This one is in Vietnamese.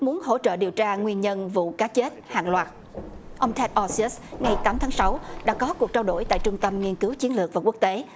muốn hỗ trợ điều tra nguyên nhân vụ cá chết hàng loạt ông thét o xi ớt ngày tám tháng sáu đã có cuộc trao đổi tại trung tâm nghiên cứu chiến lược và quốc tế